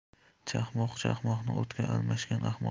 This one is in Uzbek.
chaqmoq chaqmoqni o'tga almashgan ahmoq